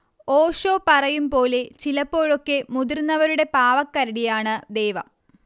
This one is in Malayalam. ഓഷോ പറയും പോലെ, ചിലപ്പോഴൊക്കെ മുതിർന്നവരുടെ പാവക്കരടിയാണ് ദൈവം